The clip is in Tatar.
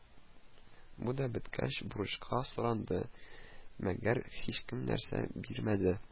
Бу да беткәч, бурычка соранды, мәгәр һичкем нәрсә бирмәде